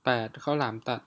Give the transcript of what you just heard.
แปดข้าวหลามตัด